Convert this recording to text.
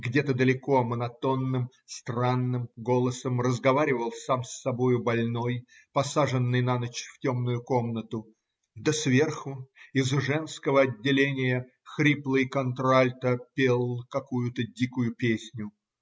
Где-то далеко монотонным, странным голосом разговаривал сам с собою больной, посаженный на ночь в темную комнату, да сверху, из женского отделения, хриплый контральто пел какую-то дикую песню.